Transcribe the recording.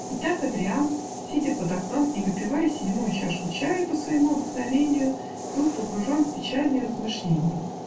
Итак, Адриян, сидя под окном и выпивая седьмую чашку чаю, по своему обыкновению был погружен в печальные размышления.